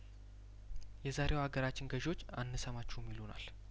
የዛሬዋ አገራችን ገዥዎች አን ሰማችሁም ይሉናል